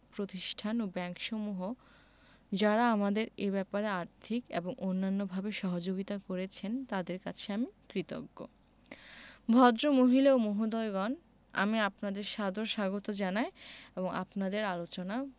প্রতিষ্ঠান ও ব্যাংকসমূহ যারা আমাদের এ ব্যাপারে আর্থিক এবং অন্যান্যভাবে সহযোগিতা করেছেন তাঁদের কাছে আমি কৃতজ্ঞ ভদ্রমহিলা ও মহোদয়গণ আমি আপনাদের সাদর স্বাগত জানাই এবং আপনাদের আলোচনা